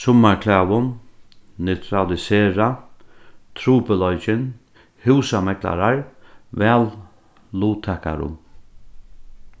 summarklæðum neutralisera trupulleikin húsameklarar valluttakarum